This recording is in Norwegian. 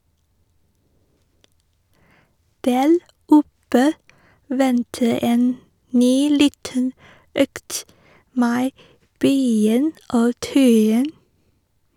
Der oppe venter en ny liten økt med bøying og tøying.